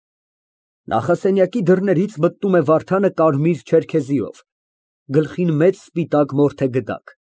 Նախասենյակի դռներից մտնում է Վարդանը կարմիր չերքեզիով, գլխին մեծ սպիտակ մորթե գդակ։